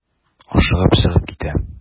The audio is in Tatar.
Ашыгып чыгып китә.